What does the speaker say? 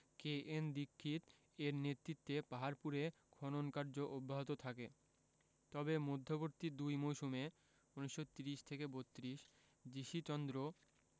K N Dikshit এর নেতৃত্বে পাহাড়পুরে খনন কাজ অব্যাহত থাকে তবে মধ্যবর্তী দুই মৌসুমে ১৯৩০ থেকে ৩২ জি.সি চন্দ্র